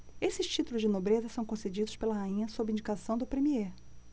esses títulos de nobreza são concedidos pela rainha sob indicação do premiê